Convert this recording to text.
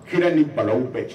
Kira ni balaw bɛɛ cɛ